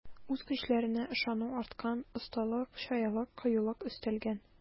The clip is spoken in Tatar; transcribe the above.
Үз көчләренә ышану арткан, осталык, чаялык, кыюлык өстәлгән.